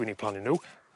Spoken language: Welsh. dwi'n eu plannu n'w